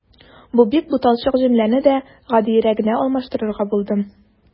Бу бик буталчык җөмләне дә гадиерәгенә алмаштырырга булдым.